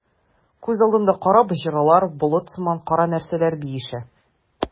Күз алдымда кара боҗралар, болыт сыман кара нәрсәләр биешә.